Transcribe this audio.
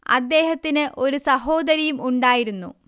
അദ്ദേഹത്തിന് ഒരു സഹോദരിയും ഉണ്ടായിരുന്നു